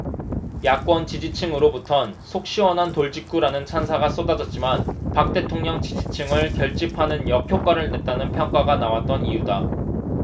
야권 지지층으로부턴 속시원한 돌직구라는 찬사가 쏟아졌지만 박 대통령 지지층을 결집하는 역효과를 냈다는 평가가 나왔던 이유다